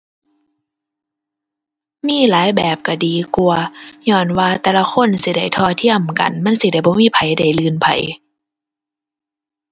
มีหลายแบบก็ดีกว่า ญ้อนว่าแต่ละคนสิได้เท่าเทียมกัน มันสิได้บ่มีไผได้ลื่นไผ